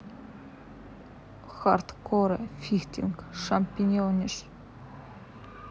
hardcore fighting championship